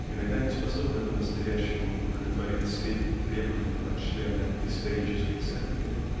иногда неспособный по-настоящему удовлетворить средним требованиям от члена "исторической церкви"